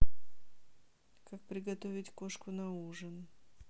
как приготовить кошку на ужин